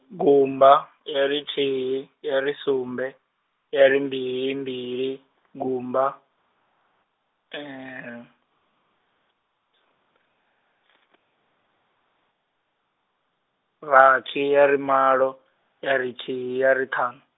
gumba, ya ri thihi, ya ri sumbe, ya ri mbili mbili, gumba, , rathi ya ri malo, ya ri thihi, ya ri ṱhanu.